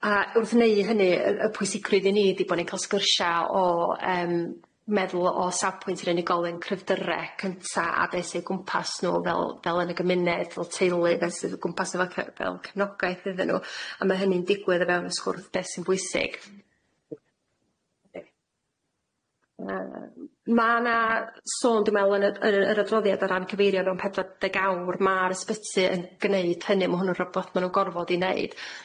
A wrth wneud hynny y- y pwysigrwydd i ni ydi bo' ni'n ca'l sgyrsia o yym meddwl o safpwynt yr unigolyn cryfdyre cynta a be' sy o gwmpas n'w fel- fel yn y gymuned fel teulu fel sydd o gwmpas efo ce- fel cefnogaeth iddyn n'w a ma' hynny'n digwydd o fewn y sgwrs be' sy'n bwysig yyy ma' na sôn dwi me'wl yn y- yr yr adroddiad o ran cyfeirio rownd pedwar deg awr ma'r ysbyty yn gneud hynny ma' hwnnw'n rwbath ma' nw'n gorfod i neud.